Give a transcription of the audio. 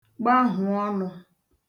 gbahụ̀ ọnụ̄